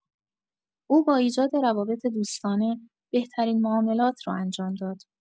او با ایجاد روابط دوستانه، بهترین معاملات را انجام داد.